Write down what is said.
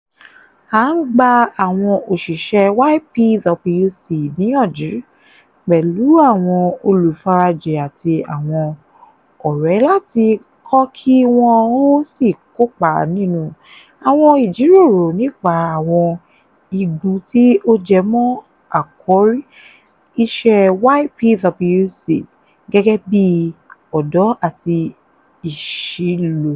À ń gba àwọn òṣìṣẹ́ YPWC níyànjú, pẹ̀lú àwọn olùfarajìn àti àwọn ọ̀rẹ́ láti kọ kí wọn ó sì kópa nínú àwọn ìjíròrò nípa àwọn igun tí ó jẹmọ́ àkòrí iṣẹ́ YPWC gẹ́gẹ́ bíi ọ̀dọ́ àti ìsílọ.